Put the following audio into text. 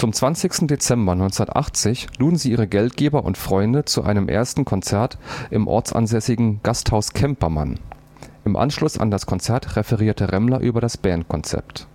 20. Dezember 1980 luden sie ihre Geldgeber und Freunde zu einem ersten Konzert im ortsansässigen „ Gasthaus Kempermann “. Im Anschluss an das Konzert referierte Remmler über das Bandkonzept